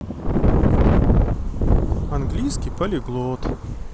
английский полиглот